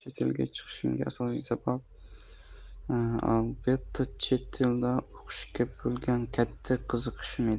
chet elga chiqishimga asosiy sabab albatta chet elda o'qishga bo'lgan katta qiziqish edi